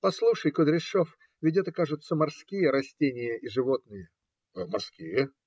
- Послушай, Кудряшов, ведь это, кажется, морские растения и животные? - Морские.